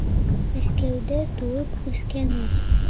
Мәскәүдә туып үскән ул.